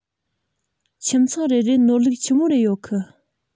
ཁྱིམ ཚང རེ རེ ནོར ལུག ཆི མོ རེ ཡོད གི